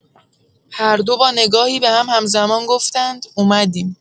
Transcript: هردو با نگاهی به هم همزمان گفتند: اومدیم.